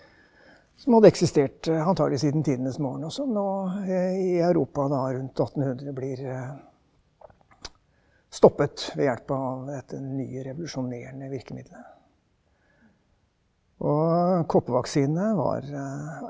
som hadde eksistert antagelig siden tidenes morgen og som nå i Europa da, rundt attenhundre, blir stoppet ved hjelp av dette nye revolusjonerende virkemiddelet og koppevaksine var ,